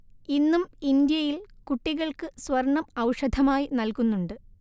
ഇന്നും ഇന്ത്യയില്‍ കുട്ടികള്‍ക്ക് സ്വര്‍ണ്ണം ഔഷധമായി നല്‍കുന്നുണ്ട്